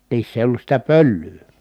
niissä ei ollut sitä pölyä